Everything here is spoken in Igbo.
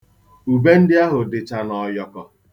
Ube ndị ahụ dịcha n'ọyọkọ.